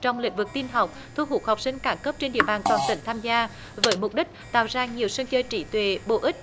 trong lĩnh vực tin học thu hút học sinh các cấp trên địa bàn toàn tỉnh tham gia với mục đích tạo ra nhiều sân chơi trí tuệ bổ ích